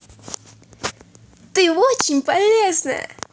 ты очень полезная